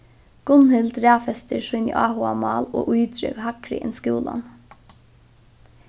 gunnhild raðfestir síni áhugamál og ítriv hægri enn skúlan